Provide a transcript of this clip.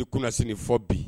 I kunasini fɔ bi